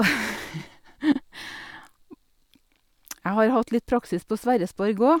Jeg har hatt litt praksis på Sverresborg óg.